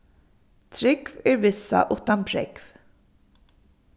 trúgv er vissa uttan prógv